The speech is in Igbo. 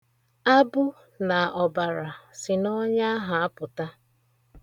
Abụ na ọbara si n'ọnya ahụ apụta.